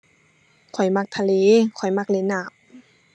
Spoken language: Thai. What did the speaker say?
ข้อยมักทะเล ข้อยมักเล่นน้ำ